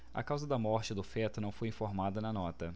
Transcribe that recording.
a causa da morte do feto não foi informada na nota